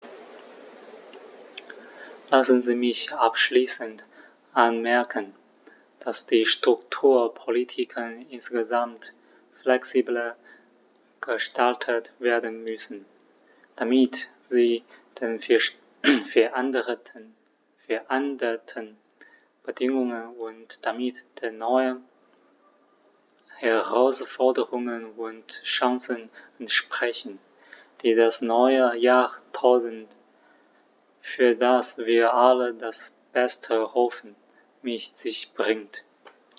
Lassen Sie mich abschließend anmerken, dass die Strukturpolitiken insgesamt flexibler gestaltet werden müssen, damit sie den veränderten Bedingungen und damit den neuen Herausforderungen und Chancen entsprechen, die das neue Jahrtausend, für das wir alle das Beste hoffen, mit sich bringt.